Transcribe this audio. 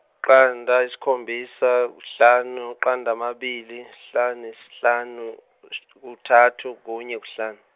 qanda isikhombisa kuhlanu amaqanda amabili isihlan- isihlanu kuthathu kune kuhlanu.